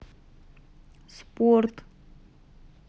спорт